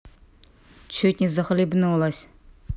чуть не захлебнулась